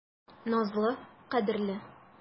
Назлы, кадерле.